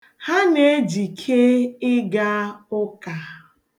Ha na-ejike ịga ụka.